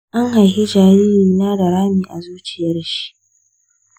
an haifi jaririna da rami a zuciyar shi.